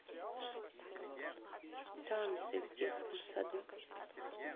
танцы в детском саду